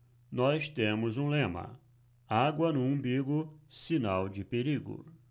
nós temos um lema água no umbigo sinal de perigo